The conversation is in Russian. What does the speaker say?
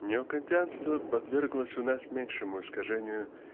Неокантианство подверглось у нас меньшему искажению